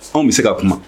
An bɛ se ka kuma